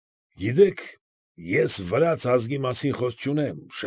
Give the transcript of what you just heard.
Գիտեք, ես վրաց ազգի մասին խոսք չունեմ։